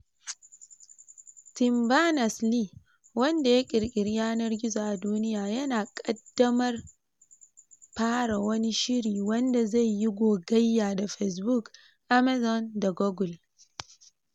Tim Berners-Lee, wanda ya Ƙirƙiri Yanar Gizo a duniya, yana ƙaddamar fara wani shiri wanda zai yi gogayya da Facebook, Amazon da Google.